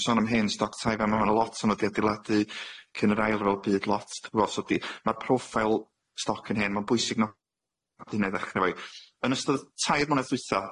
yn sôn am hen stoc tai fan'o ma' lot ono di adeiladu cyn yr ail fel byd lot t'bo' sodi ma'r proffail stoc yn hen ma'n bwysig n'w yn ystod tair mlynedd dwitha,